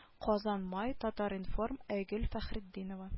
Казан май татар-информ айгөл фәхретдинова